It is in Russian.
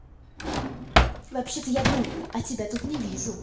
вообще то я думаю а тебя тут не вижу